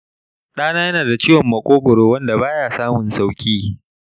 ɗana yana da ciwon maƙogwaro wanda baya samun sauƙi